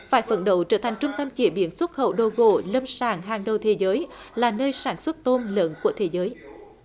phải phấn đấu trở thành trung tâm chế biến xuất khẩu đồ gỗ lâm sản hàng đầu thế giới là nơi sản xuất tôm lớn của thế giới